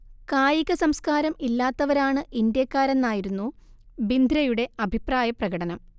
കായികസംസ്കാരം ഇല്ലാത്തവരാണ് ഇന്ത്യക്കാരെന്ന് ആയിരുന്നു ബിന്ദ്രയുടെ അഭിപ്രായ പ്രകടനം